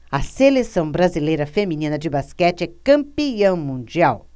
a seleção brasileira feminina de basquete é campeã mundial